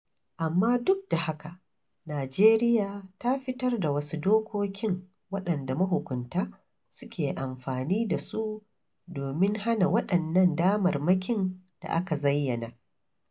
Amma duk da haka, Najeriya ta fitar da wasu dokokin waɗanda mahukunta suke amfani da su domin hana waɗannan damarmakin da aka zayyana.